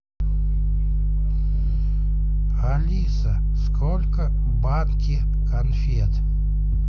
алиса сколько банки конфет